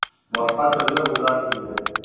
Башка төрле уйлар килде.